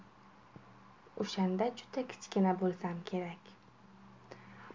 o'shanda juda kichkina bo'lsam kerak